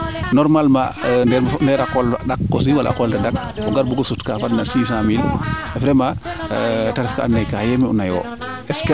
normalement ndeer a qool ɗak aussi fo a qoola tadak o gar buko sut kaa fadna 500 mille vraiment te ref kaa ando naye kaa yenu na yo